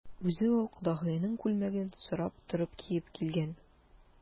Үзе ул кодагыеның күлмәген сорап торып киеп килгән.